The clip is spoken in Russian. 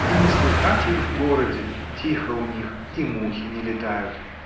И не слыхать их в городе: тихо у них, и мухи не летают.